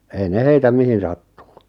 ei ne heitä mihin sattuu